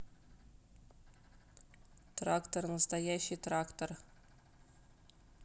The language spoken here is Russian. трактор настоящий трактор